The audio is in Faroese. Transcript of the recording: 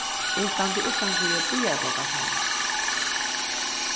eg standi uttan fyri býarbókasavnið